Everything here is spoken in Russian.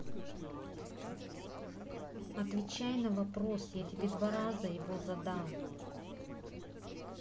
отвечай на вопрос я тебе два раза его задал